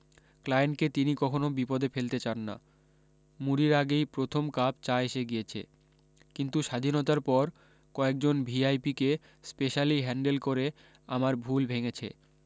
ক্লায়েণ্টকে তিনি কখনো বিপদে ফেলতে চান না মুড়ির আগেই প্রথম কাপ চা এসে গিয়েছে কিন্তু স্বাধীনতার পর কয়েকজন ভি আই পিকে স্পেশালি হ্যান্ডেল করে আমার ভুল ভেঙেছে